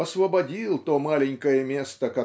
освободил то маленькое место